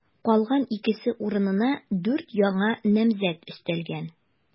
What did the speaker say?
Калган икесе урынына дүрт яңа намзәт өстәлгән.